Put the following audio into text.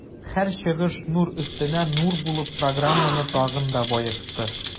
Һәр чыгыш нур өстенә нур булып, программаны тагын да баетты.